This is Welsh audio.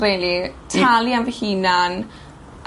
Tili. Ttalu am fy hunan